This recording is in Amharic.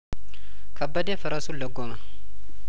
ከበደ ፈረሱን ለጐመ